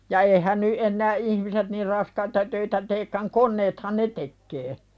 ja eihän nyt enää ihmiset niin raskaita töitä teekään koneethan ne tekee